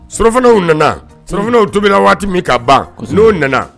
Suurfanaw nana sufanaw tobila waati min ka ban nana